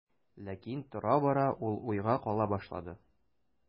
Ләкин тора-бара ул уйга кала башлады.